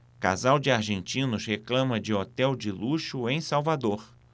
casal de argentinos reclama de hotel de luxo em salvador